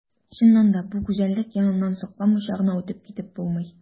Чыннан да бу гүзәллек яныннан сокланмыйча гына үтеп китеп булмый.